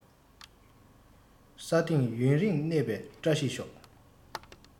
ས སྟེང ཡུན རིང གནས པའི བཀྲ ཤིས ཤོག